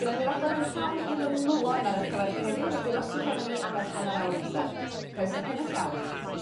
Gynnon ni raglen yn llawn i'r ymylon ar 'ych cyfar chi heddiw felly roswch efo ni am yr hanar awr nesa croeso cynnes iawn i...